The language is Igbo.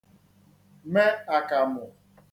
me àkàmụ̀